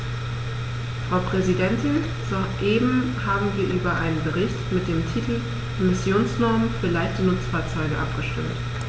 Frau Präsidentin, soeben haben wir über einen Bericht mit dem Titel "Emissionsnormen für leichte Nutzfahrzeuge" abgestimmt.